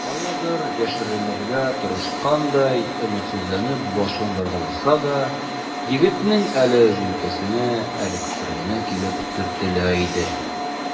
Каядыр яшеренергә тырышкандай, өметсезләнеп башын боргаласа да, егетнең әле җилкәсенә, әле күкрәгенә килеп төртелә иде.